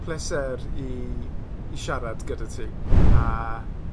pleser i i siarad gyda ti, a